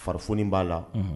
Fari foni ba la.